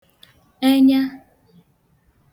enya